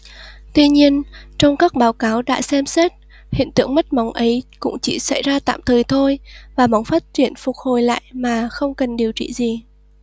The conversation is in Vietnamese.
tuy nhiên trong các báo cáo đã xem xét hiện tượng mất móng ấy cũng chỉ xảy ra tạm thời thôi và móng phát triển phục hồi lại mà không cần điều trị gì